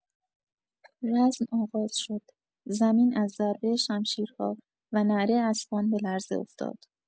رزم آغاز شد، زمین از ضربه شمشیرها و نعره اسبان به لرزه افتاد.